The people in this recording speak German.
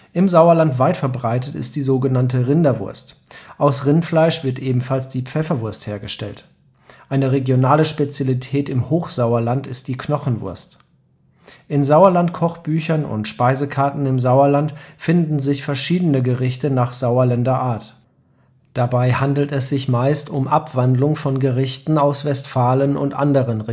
Im Sauerland weit verbreitet ist die sogenannte Rinderwurst; aus Rindfleisch wird ebenfalls die Pfefferwurst hergestellt. Eine regionale Spezialität im Hochsauerland ist die Knochenwurst. In Sauerland-Kochbüchern und Speisekarten im Sauerland finden sich verschiedene Gerichte nach Sauerländer Art. Dabei handelt es sich meist um Abwandlungen von Gerichten aus Westfalen und anderen